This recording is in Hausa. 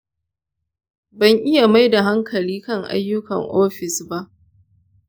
ban iya mai da hankali kan ayyukan ofis ba.